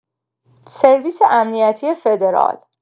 سرویس امنیتی فدرال